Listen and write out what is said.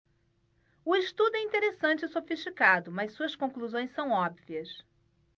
o estudo é interessante e sofisticado mas suas conclusões são óbvias